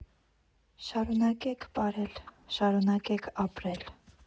Շարունակե՛ք պարել, շարունակե՛ք ապրել։